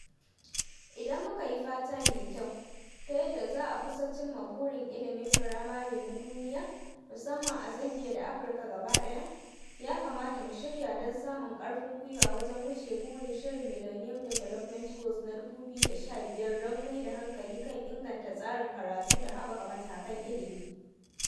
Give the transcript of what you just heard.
Idan muka yi fata mai kyau, ta yadda za a kusa cimma burin ilimin firamare na duniya, musamman a Zambia da Afirka gaba ɗaya, ya kamata mu shirya don samun ƙarfin gwiwa wajen wuce burin shirin Millennium Development Goals na 2015 don mai da hankali kan inganta tsarin karatu da haɓaka matakan ilimi.